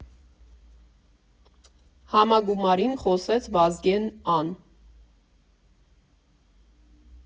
Համագումարին խոսեց Վազգեն Ա֊֊ն։